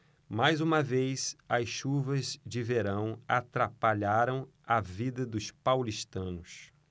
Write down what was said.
mais uma vez as chuvas de verão atrapalharam a vida dos paulistanos